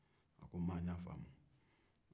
a ko n y'a faamu maa